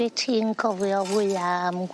Be' ti'n cofio fwy am...